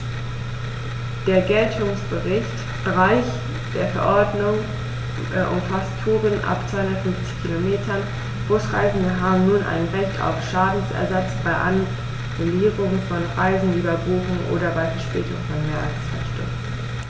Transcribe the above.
Der Geltungsbereich der Verordnung umfasst Touren ab 250 Kilometern, Busreisende haben nun ein Recht auf Schadensersatz bei Annullierung von Reisen, Überbuchung oder bei Verspätung von mehr als zwei Stunden.